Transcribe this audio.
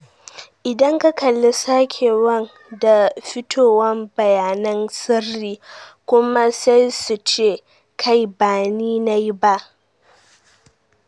“Idan ka kalli sakewan da fitowan bayanan sirri kuma sai suce “kai, ba ni nayi ba.